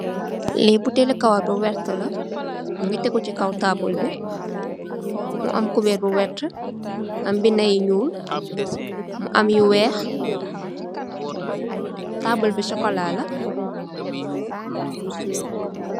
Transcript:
Li butèèlli kawarr bu werta la mugii tegeh ci kaw tabull bi, mu am kuberr bu werta am binda yu ñuul mu am yu wèèx, tabull bi sokola la.